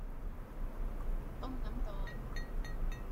ต้มน้ำร้อน